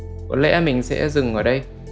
có lẽ mình sẽ dừng ở đây